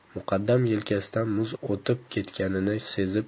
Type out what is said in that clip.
muqaddam yelkasidan muz o'tib ketganini sezib